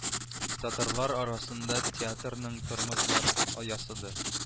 Татарлар арасында театрның тормозлар ясады